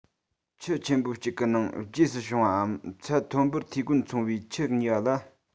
ཁྱུ ཆེན པོ གཅིག གི ནང རྗེས སུ བྱུང བའམ ཚད མཐོན པོར འཐུས སྒོ ཚང བའི ཁྱུ གཉིས པ ལ